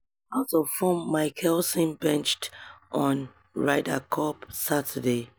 Out-of-form Mickelson benched on Ryder Cup Saturday